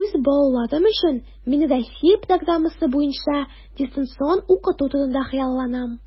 Үз балаларым өчен мин Россия программасы буенча дистанцион укыту турында хыялланам.